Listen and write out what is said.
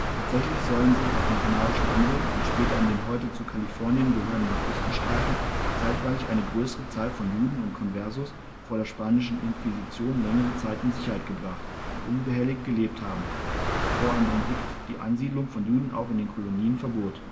Tatsächlich sollen sich auf den Kanarischen Inseln und später in den heute zu Kalifornien gehörenden Küstenstreifen zeitweilig eine größere Zahl von Juden und Conversos vor der spanischen Inquisition längere Zeit in Sicherheit gebracht und unbehelligt gelebt haben, bevor ein Edikt die Ansiedlung von Juden auch in den Kolonien verbot